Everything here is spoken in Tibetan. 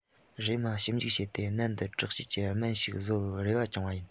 རེམ མ ཞིབ འཇུག བྱས ཏེ ནད འདི དྲག བྱེད ཀྱི སྨན ཞིག བཟོ བར རེ བ བཅངས པ ཡིན